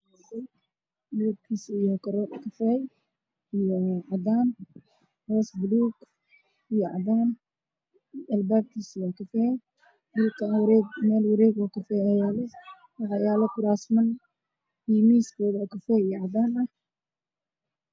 Waa qol waxaa yaalo kuraas iyo miisaas midabkooda waa caddaan qaxwi darbiyada waa jaalo qaxow isku dhex jiraan